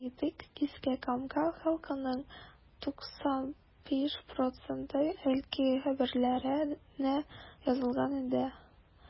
Әйтик, Иске Камка халкының 95 проценты “Әлки хәбәрләре”нә язылган инде.